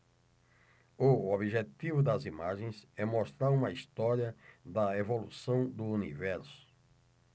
o objetivo das imagens é mostrar uma história da evolução do universo